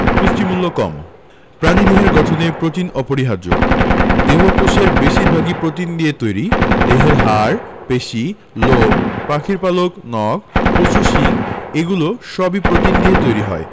পুষ্টিমূল্য কম প্রাণীদেহের গঠনে প্রোটিন অপরিহার্য দেহকোষের বেশির ভাগই প্রোটিন দিয়ে তৈরি দেহের হাড় পেশি লোম পাখির পালক নখ পশুর শিং এগুলো সবই প্রোটিন দিয়ে তৈরি হয়